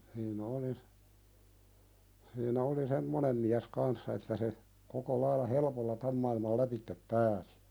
hän oli siinä oli semmoinen mies kanssa että se koko lailla helpolla tämän maailman lävitse pääsi